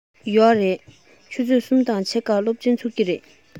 ཡོད རེད ཆུ ཚོད གསུམ དང ཕྱེད ཀར སློབ ཚན ཚུགས ཀྱི རེད